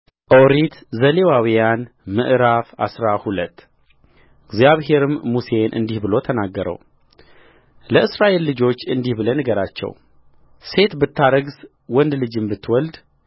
ኦሪት ዘሌዋውያን ምዕራፍ አስራ ሁለት እግዚአብሔርም ሙሴን እንዲህ ብሎ ተናገረውለእስራኤል ልጆች እንዲህ ብለህ ንገራቸው ሴት ብታረግዝ ወንድ ልጅም ብትወልድ